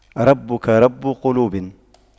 ربك رب قلوب